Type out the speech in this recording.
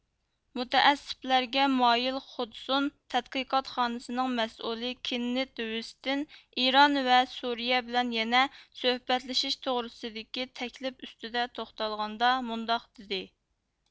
مۇتەئەسسىپلەرگە مايىل خودسۇن تەتقىقاتخانىسىنىڭ مەسئۇلى كېننېت ۋېستېن ئىران ۋە سۇرىيە بىلەن يەنە سۆھبەتلىشىش توغرىسىدىكى تەكلىپ ئۈستىدە توختالغاندا مۇنداق دېدى